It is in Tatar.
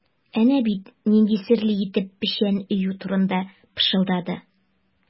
Әнә бит нинди серле итеп печән өю турында пышылдады.